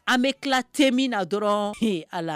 An bɛ tila tɛ min na dɔrɔn h a la